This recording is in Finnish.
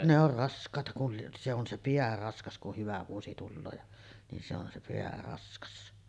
ne on raskaita kun lie se on se pää raskas kun hyvä vuosi tulee ja niin se on se pää raskas